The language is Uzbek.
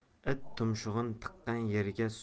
it tumshug'ini tiqqan yerga